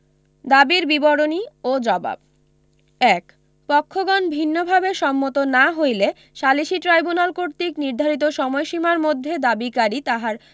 দাবীর বিবরণী ও জবাব ১ পক্ষগণ ভিন্নভাবে সম্মত না হইলে সালিসী ট্রাইব্যুনাল কর্তৃক নির্ধারিত সময়সীমার মধ্যে দাবীকারী তাহার